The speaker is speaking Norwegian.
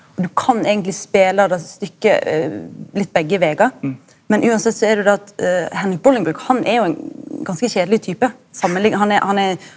og du kan eigentleg spela det stykket litt begge vegar men uansett så er det det at Henrik Bullingbrook han er jo ein ganske kjedeleg type samanlikna han er han er.